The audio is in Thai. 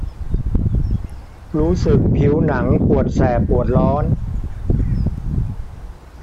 รู้สึกผิวหนังปวดแสบปวดร้อน